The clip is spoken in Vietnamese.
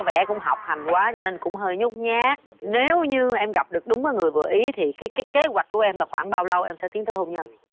có vẻ cũng học hành quá cho nên cũng hơi nhút nhát nếu như em gặp được đúng cái người vừa ý thì ký kế kế hoạch của em là khoảng bao lâu em sẽ tiến tới hôn nhân